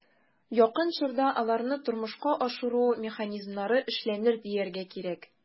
Якын чорда аларны тормышка ашыру механизмнары эшләнер, дияргә кирәк.